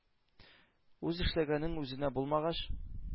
Үз эшләгәнең үзеңә булмагач,